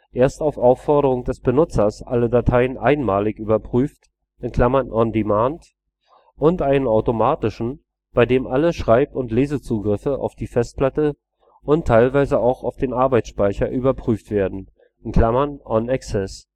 erst auf Aufforderung des Benutzers alle Dateien einmalig überprüft (on demand) und einen automatischen, bei dem alle Schreib - und Lesezugriffe auf die Festplatte und teilweise auch auf den Arbeitsspeicher überprüft werden (on access